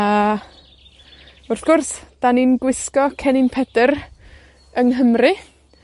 A, wrth gwrs, 'dan ni'n gwisgo Cennin Pedyr yng Nghymru